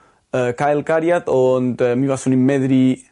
yy cael cariad ond yym mi faswn i medru